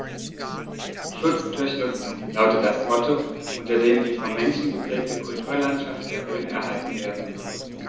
„Schutz durch Nutzung“ lautet das Motto, unter dem die vom Menschen geprägte Kulturlandschaft der Rhön erhalten werden soll.